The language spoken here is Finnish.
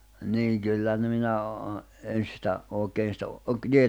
niin kyllä no minä -- en sitä oikein sitä